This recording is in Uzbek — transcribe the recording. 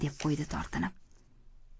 deb qo'ydi tortinib